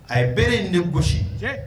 A ye bere in de gosi